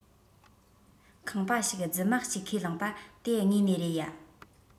ཁང པ ཞིག རྫུན མ གཅིག ཁས བླངས པ དེ དངོས གནས རེད ཡ